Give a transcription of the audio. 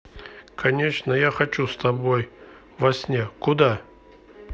конечно я хочу с тобой во сне куда